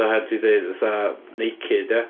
A heb 'di deud fatha naked ie.